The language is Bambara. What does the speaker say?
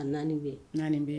A naani bɛn naani bɛɛ